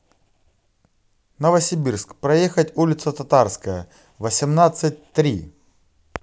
новосибирск проехать улица татарская восемьдесят три